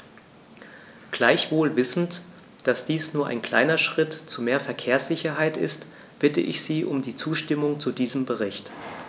Gleichwohl wissend, dass dies nur ein kleiner Schritt zu mehr Verkehrssicherheit ist, bitte ich Sie um die Zustimmung zu diesem Bericht.